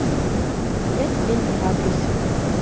я тебе не нравлюсь